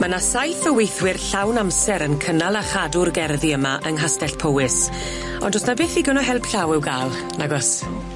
Ma' ny saith o weithwyr llawn amser yn cynnal a chadw'r gerddi yma yng Nghastell Powys ond do's 'ny beth ddigon o help llaw i'w ga'l nago's?